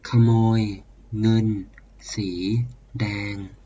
ขโมยเงินสีแดง